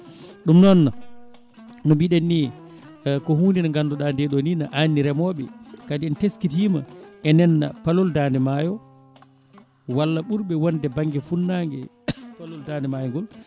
ɗum noon no mbiɗen ni ko hunde nde ganduɗa nde ɗo ni ne anni remoɓe kadi en teskitima enen palol dande maayo walla ɓurɓe wonde banggue funnague e palol dande mayo ngol